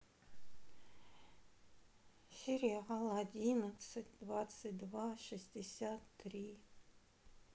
сериал одиннадцать двадцать два шестьдесят три